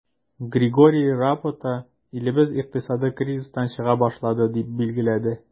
Григорий Рапота, илебез икътисады кризистан чыга башлады, дип билгеләде.